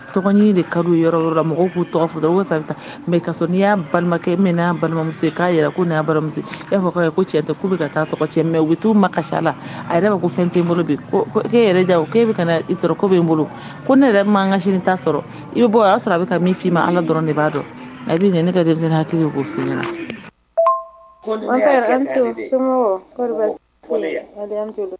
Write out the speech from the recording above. Ka mɔgɔw'u tɔgɔ n'i y'a balima balimamuso k'amuso e fɔ cɛ k'u bɛ taa cɛ u bɛ t'u ma ka la a yɛrɛ ko fɛn e yɛrɛ k'e i ko bɛ n bolo ko ne yɛrɛ makan ka sini t'a sɔrɔ i bɛ bɔ o y'a sɔrɔ a bɛ min' i ma ala dɔrɔn de b'a dɔn a bɛ ne ka denmisɛnnin ko f ɲɛna